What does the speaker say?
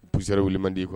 Poussière wuli man di